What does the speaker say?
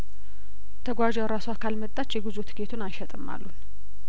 ተጓዧ እረሷ ካልመጣች የጉዞ ትኬቱን አንሸጥም አሉን